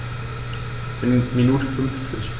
Eine Minute 50